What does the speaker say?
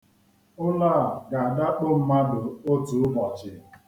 Ụlọ a ga-adakpo mmadụ otu ụbọchi.